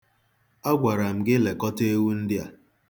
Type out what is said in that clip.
Agwara m gị lekọta ewu ndị a.